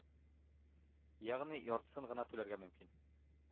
Ягъни яртысын гына түләргә мөмкин.